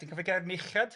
Ti'n cofio gair Meichiad?